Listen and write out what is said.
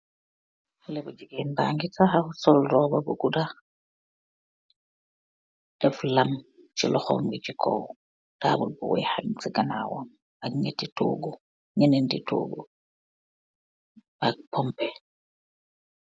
haleh bu jigeen bu tahaw teh sol yehreh bu rafet.